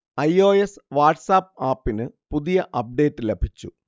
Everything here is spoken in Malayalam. ഐ. ഒ. എസ് വാട്ട്സ്ആപ്പ് ആപ്പിന് പുതിയ അപ്ഡേറ്റ് ലഭിച്ചു